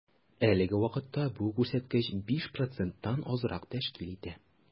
Әлеге вакытта бу күрсәткеч 5 проценттан азрак тәшкил итә.